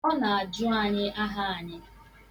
Ọ na-ajụ anyị aha anyị.